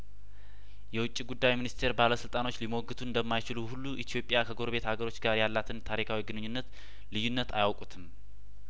የውጭ ጉዳይ ሚኒስቴር ባለስልጣኖች ሊሞግቱ እንደማይችሉ ሁሉ ኢትዮጵያ ከጐረቤት አገሮች ጋር ያላትን ታሪካዊ ግንኙነት ልዩነት አያውቁትም